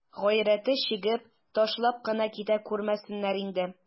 Гайрәте чигеп, ташлап кына китә күрмәсеннәр инде.